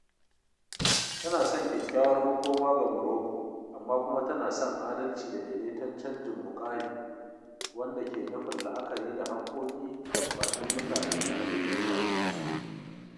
Tana son kyakkyawar makoma ga Morocco, amma kuma tana son adalci da daidaiton canjin muƙami, wanda ke nufin la’akari da haƙƙoƙi da buƙatun mutanen da abin ya shafe su.